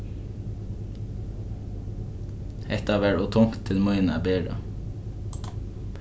hetta var ov tungt til mín at bera